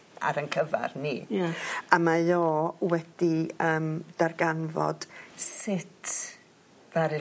...ar 'yn cyfar ni. Ia A mae o wedi yym darganfod sut ddaru...